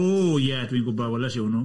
O ie, dwi'n gwbod, weles i hwnnw.